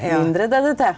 mindre DDT.